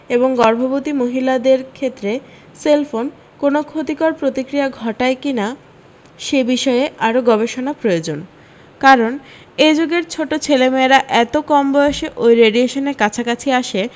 এবং গর্ভবতী মহিলাদের ক্ষেত্রে সেলফোন কোনও ক্ষতিকর প্রতিক্রিয়া ঘটায় কী না সে বিষয়ে আরও গবেষণা প্রয়োজন কারণ এ যুগের ছোট ছেলেমেয়েরা এত কম বয়েসে ওই রেডিয়েশনের কাছাকাছি আসে